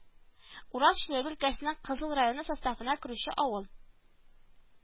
Урал Чиләбе өлкәсенең Кызыл районы составына керүче авыл